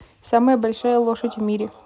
самая большая лошадь в мире